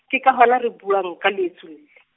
ke ka hona re buang ka leetsolli.